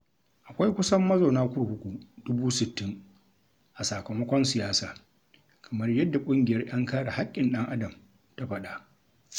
Akwai kusan mazauna kurkuku 60,000 a sakamakon siyasa, kamar yadda ƙungiyar 'yan kare haƙƙin ɗan'adam ta faɗa.